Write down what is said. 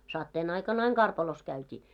sateen aikana aina karpalossa käytiin